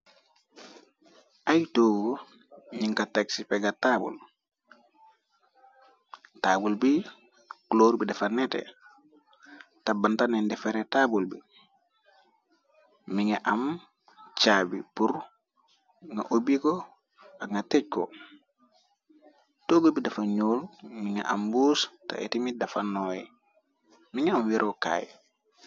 ay toogu ñinga tag si pega taabul taabul bi kuloor bi dafa neteh ta bantane defare taabul bi mi nga am caabi pur nga obbi ko ak nga tej ko toog bi dafa ñuul mi nga am muus te itimi dafa nooy mi nga am werokaay.